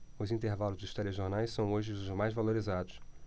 os intervalos dos telejornais são hoje os mais valorizados